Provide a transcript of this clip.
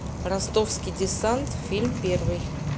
ростовский десант фильм первый